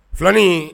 Filanin